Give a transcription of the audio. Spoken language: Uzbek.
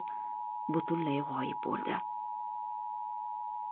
butunlay g'oyib bo'ldi